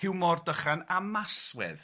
Hiwmor, dychan a maswedd.